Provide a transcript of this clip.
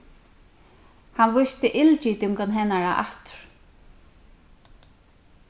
hann vísti illgitingum hennara aftur